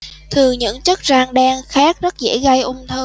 thường những chất rang đen khét rất dễ gây ung thư